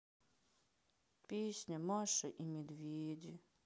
песня маша и медведи